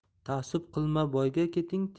taassub qilma boyga